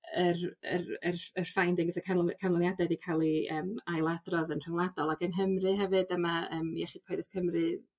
yr yr yr y ffindings y canly- canlyniadau 'di ca'l 'u yym ailadrodd yn rhyngwladol ag yng Nghymru hefyd dyma yym Iechyd Cyhoeddus Cymru